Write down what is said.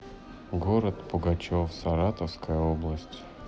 город пугачев саратовская область